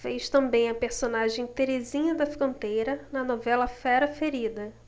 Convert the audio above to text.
fez também a personagem terezinha da fronteira na novela fera ferida